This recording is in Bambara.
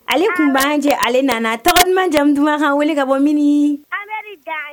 Ale kun b'an jɛ ale nana tɔgɔ duman jamu duman k'an wele ka bɔ minii Amedi Day